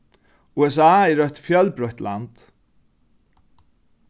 usa er eitt fjølbroytt land